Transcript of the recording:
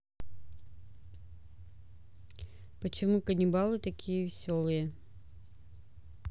почему каннибалы такие веселые